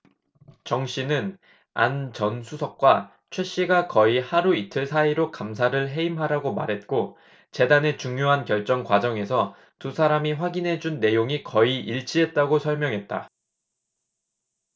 정씨는 안 전 수석과 최씨가 거의 하루이틀 사이로 감사를 해임하라고 말했고 재단의 중요한 결정 과정에서 두 사람이 확인해준 내용이 거의 일치했다고 설명했다